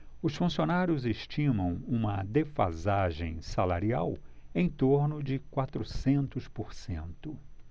os funcionários estimam uma defasagem salarial em torno de quatrocentos por cento